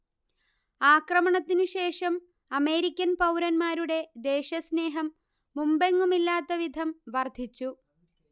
ആക്രമണത്തിനു ശേഷം അമേരിക്കൻ പൗരന്മാരുടെ ദേശസ്നേഹം മുമ്പെങ്ങുമില്ലാത്ത വിധം വർദ്ധിച്ചു